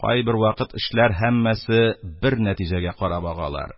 Кайбер вакыт эшләр һәммәсе бер нәтиҗәгә карап агалар.